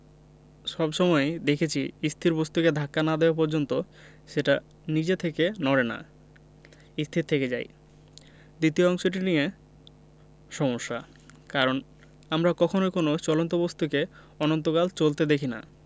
সব সময়ই দেখেছি স্থির বস্তুকে ধাক্কা না দেওয়া পর্যন্ত সেটা নিজে থেকে নড়ে না স্থির থেকে যায় দ্বিতীয় অংশটি নিয়ে সমস্যা কারণ আমরা কখনোই কোনো চলন্ত বস্তুকে অনন্তকাল চলতে দেখি না